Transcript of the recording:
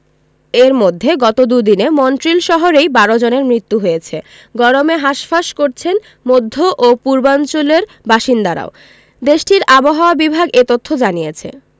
এর মধ্যে গত দুদিনে মন্ট্রিল শহরেই ১২ জনের মৃত্যু হয়েছে গরমে হাসফাঁস করছেন মধ্য ও পূর্বাঞ্চলের বাসিন্দারাও দেশটির আবহাওয়া বিভাগ এ তথ্য জানিয়েছে